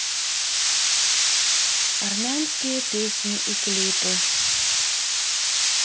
армянские песни и клипы